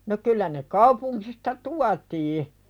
no kyllä ne kaupungista tuotiin